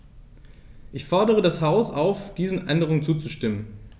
Ich fordere das Haus auf, diesen Änderungen zuzustimmen.